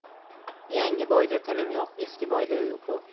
yangi boyda tinim yo'q eski boyda uyqu